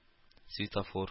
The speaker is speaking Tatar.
Светофор